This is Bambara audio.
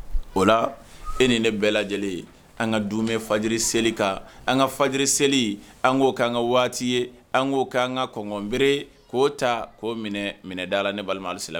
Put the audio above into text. O la e ni ne bɛɛ lajɛlen ye an ka dunbe fajiri seli kan an ka faji seli an ko an ka waati ye an ko an ka kɔnɔnb k'o ta k'o minɛda la ni balima sila